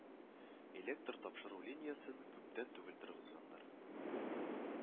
Электр тапшыру линиясен күптән түгел торгызганнар